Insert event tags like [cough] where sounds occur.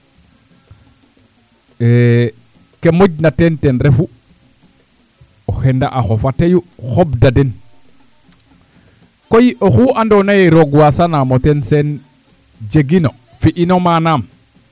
[hesitation] ke moƴna teen ten refu o xena xend a axof toyu xobda den koy oxu andoona yee roog waasaanam o ten seen jegino fi'ino mana